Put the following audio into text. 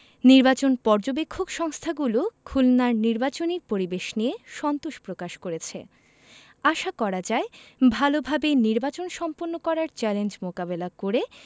নির্বাচন পর্যবেক্ষক সংস্থাগুলো খুলনার নির্বাচনী পরিবেশ নিয়ে সন্তোষ প্রকাশ করেছে আশা করা যায় ভালোভাবে নির্বাচন সম্পন্ন করার চ্যালেঞ্জ মোকাবেলা করে